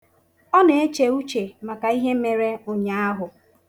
Ọ na-eche uche maka ihe mere ụnyaahụ